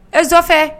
E n fɛ